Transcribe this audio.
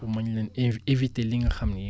pour mën leen in éviter li nga xam ne